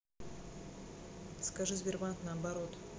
скажи сбербанк наоборот